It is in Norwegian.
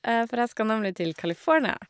For jeg skal nemlig til California.